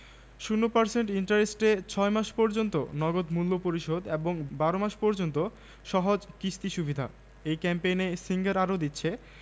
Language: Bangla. সংগৃহীত দৈনিক ইত্তেফাক ১০ই আশ্বিন ১৩৮৮ বঙ্গাব্দ পৃষ্ঠা ১